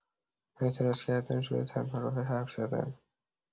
اعتراض کردن شده تنها راه حرف‌زدن.